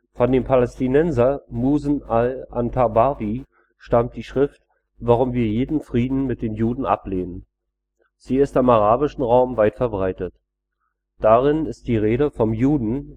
Von dem Palästinenser Muhsen al-Antabawi stammt die Schrift Warum wir jeden Frieden mit den Juden ablehnen; sie ist im arabischen Raum weit verbreitet. Darin ist die Rede vom „ Juden